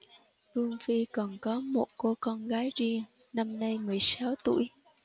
vương phi còn có một cô con gái riêng năm nay mười sáu tuổi